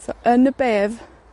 So yn y bedd,